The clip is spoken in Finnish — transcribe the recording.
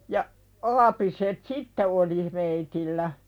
ja aapiset sitten oli meillä